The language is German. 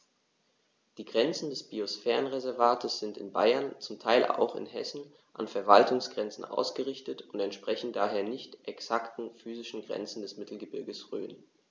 Die Grenzen des Biosphärenreservates sind in Bayern, zum Teil auch in Hessen, an Verwaltungsgrenzen ausgerichtet und entsprechen daher nicht exakten physischen Grenzen des Mittelgebirges Rhön.